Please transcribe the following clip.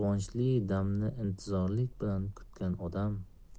intizorlik bilan kutgan odam